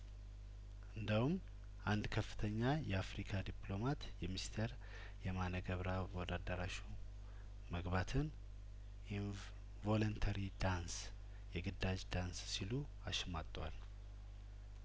እንደ ውም አንድ ከፍተኛ የአፍሪካ ዲፕሎማት የሚስተር የማነ ገብረአብ ወደ አዳራሹ መግባትን ኢንፍ ቮለንተሪ ዳንስ የግዳጅ ዳንስ ሲሉ አሽሟጧል